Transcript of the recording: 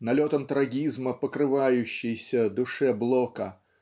налетом трагизма покрывающейся душе Блока